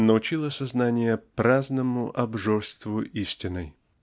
научила сознание праздному обжорству истиной.